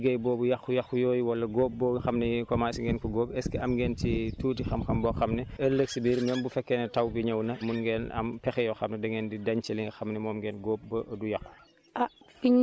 si biir liggéey boobu yàqu-yàqu yooyu wala góob boobu nga xam ne commencé ngeen ko góob est ce que am ngeen ci tuuti xam-xam boo xam ne ëllëg si biir même bu fekkee ne taw bi ñëw na mun ngeen am pexe yoo xam ne dangeen di denc li nga xam ne moom ngeen góob ba du yàqu